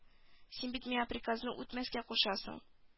Син бит миңа приказны үтәмәскә кушасың